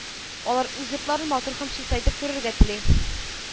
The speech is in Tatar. Алар үз йортларын матур һәм чиста итеп күрергә тели